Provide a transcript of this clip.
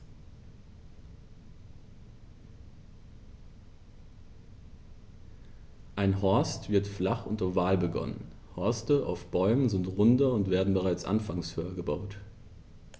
Ein Horst wird flach und oval begonnen, Horste auf Bäumen sind runder und werden bereits anfangs höher gebaut.